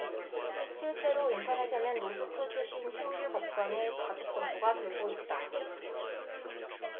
실제로 인터넷에는 로스쿨 출신 신규 법관의 가족 정보가 돌고 있다